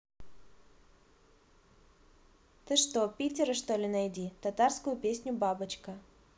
ты что питера что ли найди татарскую песню бабочка